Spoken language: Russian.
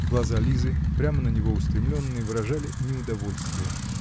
Глаза Лизы, прямо на него устремленные, выражали неудовольствие